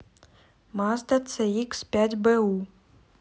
мазда ц икс пять бу